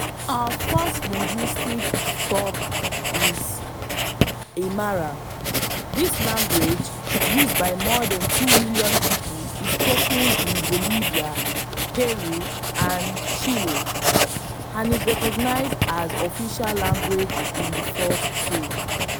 Our first linguistic stop is Aymara; this language, used by more than two million people is spoken in Bolivia, Peru and Chile and is recognized as an official language in the first two.